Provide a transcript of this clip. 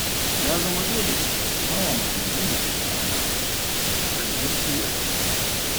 Ya zama dole a ba wa maganganun ma'ana tare da aiki a fili.